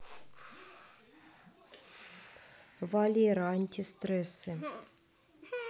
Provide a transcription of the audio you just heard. валера антистрессы